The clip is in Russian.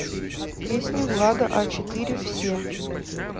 песни влада а четыре все